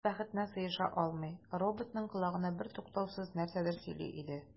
Кыз, бәхетенә сыеша алмый, роботның колагына бертуктаусыз нәрсәдер сөйли иде.